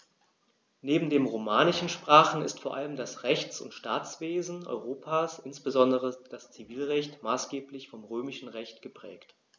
Neben den romanischen Sprachen ist vor allem das Rechts- und Staatswesen Europas, insbesondere das Zivilrecht, maßgeblich vom Römischen Recht geprägt.